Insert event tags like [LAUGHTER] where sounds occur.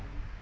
[HESITATION] [HESITATION]